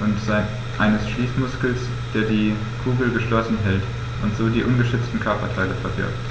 und eines Schließmuskels, der die Kugel geschlossen hält und so die ungeschützten Körperteile verbirgt.